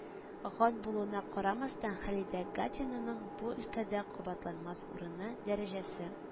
Ган булуына карамастан, халидә гатинаның бу өлкәдә кабатланмас урыны, дәрәҗәсе